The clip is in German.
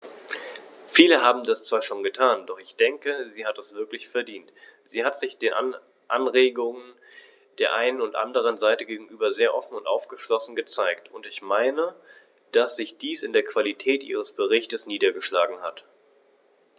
Viele haben das zwar schon getan, doch ich denke, sie hat es wirklich verdient, denn sie hat sich Anregungen der einen und anderen Seite gegenüber sehr offen und aufgeschlossen gezeigt, und ich meine, dass sich dies in der Qualität ihres Berichts niedergeschlagen hat.